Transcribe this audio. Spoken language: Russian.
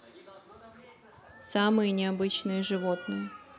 самые необычные животные